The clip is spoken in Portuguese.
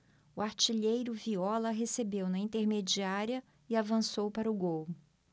o artilheiro viola recebeu na intermediária e avançou para o gol